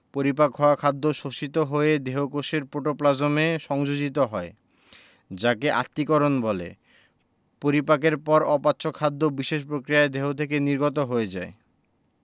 পরিপাক হওয়া খাদ্য শোষিত হয়ে দেহকোষের প্রোটোপ্লাজমে সংযোজিত হয় যাকে আত্তীকরণ বলে পরিপাকের পর অপাচ্য খাদ্য বিশেষ প্রক্রিয়ায় দেহ থেকে নির্গত হয়ে যায়